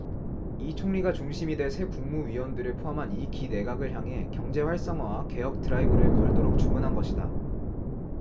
이 총리가 중심이 돼 새 국무위원들을 포함한 이 기 내각을 향해 경제활성화와 개혁 드라이브를 걸도록 주문한 것이다